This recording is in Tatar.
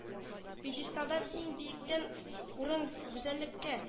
Пьедесталдан иң биектән урын гүзәллеккә